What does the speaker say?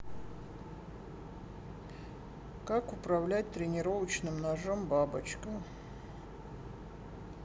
как управлять тренировочным ножом бабочка